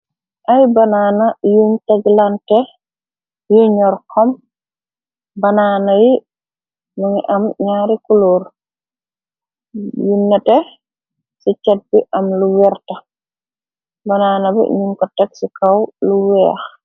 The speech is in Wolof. Ay banana yuñ teglante , yu ñor xom. Banana yi nu ngi am ñaari kulóor, yu nete ci chait bi am lu werta , banana bi ñum ko tex ci kaw lu weex.